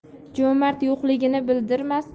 jo'mard yo'qligini bildirmas